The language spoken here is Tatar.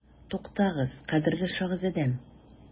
Туктагыз, кадерле шаһзадәм.